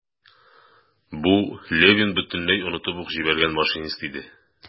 Бу - Левин бөтенләй онытып ук җибәргән машинист иде.